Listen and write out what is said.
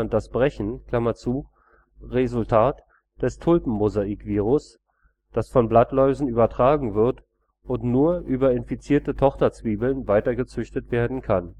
das Brechen “) Resultat des Tulpenmosaikvirus, das von Blattläusen übertragen wird und nur über infizierte Tochterzwiebeln weitergezüchtet werden kann